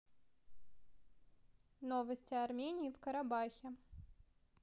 новости в армении в карабахе